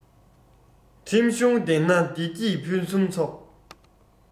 ཁྲིམས གཞུང ལྡན ན བདེ སྐྱིད ཕུན སུམ ཚོགས